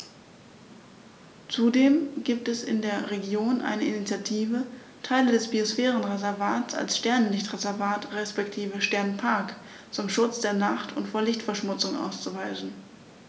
Zudem gibt es in der Region eine Initiative, Teile des Biosphärenreservats als Sternenlicht-Reservat respektive Sternenpark zum Schutz der Nacht und vor Lichtverschmutzung auszuweisen.